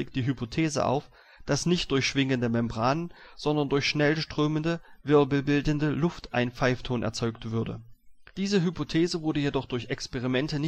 die Hypothese auf, dass nicht durch schwingende Membranen, sondern durch schnell strömende, wirbelbildende Luft ein Pfeifton erzeugt würde. Diese Hypothese wurde jedoch durch Experimente